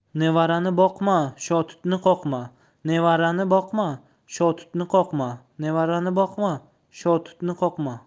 nevarani boqma shotutni qoqma